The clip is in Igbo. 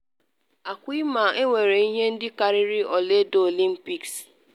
“Ọ kwa ịma, na-enwere ihe ndị karịrị ọla edo Olympics.